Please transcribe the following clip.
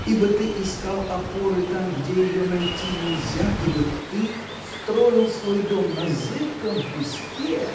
Ибо ты искал опоры там, где ее найти нельзя, ибо ты строил свой дом на зыбком песке.